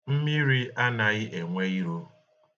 Mmiri anaghị enwe iro.